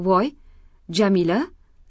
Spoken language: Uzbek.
voy jamila